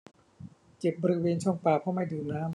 เจ็บบริเวณช่องปากเพราะไม่ดื่มน้ำ